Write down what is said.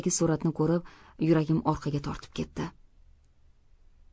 suratni ko'rib yuragim orqamga tortib ketdi